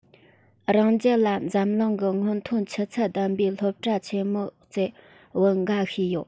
རང རྒྱལ ལ འཛམ གླིང གི སྔོན ཐོན ཆུ ཚད ལྡན པའི སློབ གྲྭ ཆེན མོ རྩེར བུད འགའ ཤས ཡོད